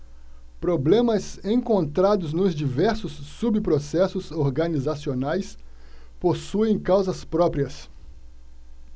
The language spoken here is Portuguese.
problemas encontrados nos diversos subprocessos organizacionais possuem causas próprias